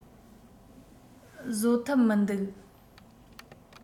བཟོད ཐབས མི འདུག